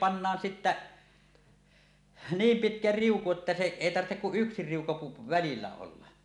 pannaan sitten niin pitkä riuku että se ei tarvitse kuin yksi riuku - välillä olla